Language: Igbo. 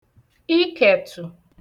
ikẹ̀tù